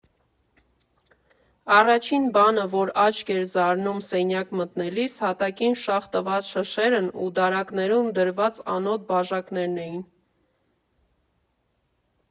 Առաջին բանը, որ աչք էր զարնում սենյակ մտնելիս, հատակին շաղ տված շշերն ու դարակներում դրված անոտ բաժակներն էին։